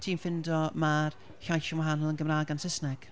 Ti'n ffindio mae'r llais yn wahanol yn Gymraeg a'n Saesneg?